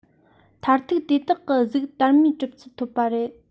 མཐར ཐུག དེ དག གི གཟུགས དར མའི གྲུབ ཚུལ ཐོབ པ རེད